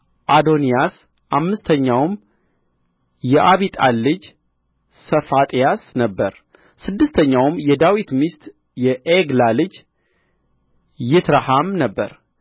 አዶንያስ አምስተኛውም የአቢጣል ልጅ ሰፋጥያስ ነበረ ስድስተኛውም የዳዊት ልጅ ሚስት የዔግላ ልጅ ይትረኃም ነበረ